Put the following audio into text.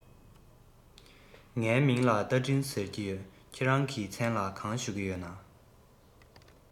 ངའི མིང ལ རྟ མགྲིན ཟེར གྱི ཡོད ཁྱེད རང གི མཚན ལ གང ཞུ གི ཡོད ན